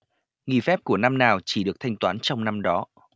nghỉ phép của năm nào chỉ được thanh toán trong năm đó